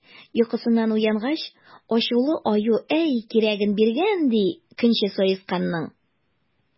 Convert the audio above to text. Йокысыннан уянгач, ачулы Аю әй кирәген биргән, ди, көнче Саесканның!